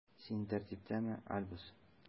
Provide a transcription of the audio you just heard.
Син тәртиптәме, Альбус?